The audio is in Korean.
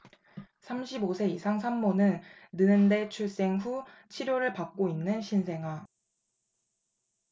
삼십 오 세 이상 산모는 느는데출생 후 치료를 받고 있는 신생아